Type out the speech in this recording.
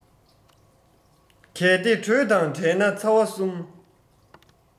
གལ ཏེ དྲོད དང བྲལ ན ཚ བ གསུམ